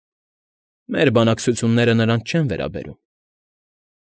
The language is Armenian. Մեր բանակցությունները նրանց չեն վերաբերում։